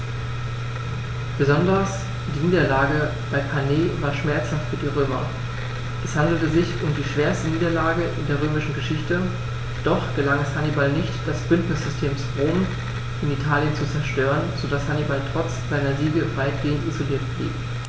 Besonders die Niederlage bei Cannae war schmerzhaft für die Römer: Es handelte sich um die schwerste Niederlage in der römischen Geschichte, doch gelang es Hannibal nicht, das Bündnissystem Roms in Italien zu zerstören, sodass Hannibal trotz seiner Siege weitgehend isoliert blieb.